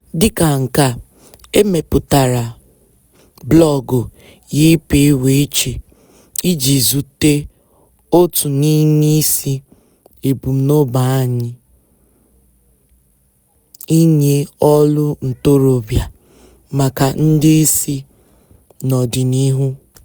Dịka nke a, e mepụtara blọọgụ YPWC iji zute otu n'ime isi ebumnobi anyị: inye "olu ntorobịa" maka ndị isi n'ọdịnihu.